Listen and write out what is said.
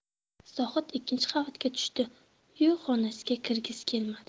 zohid ikkinchi qavatga tushdi yu xonasiga kirgisi kelmadi